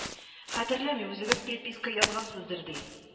Хәтерләмим үзегез приписка ясагансыздыр ди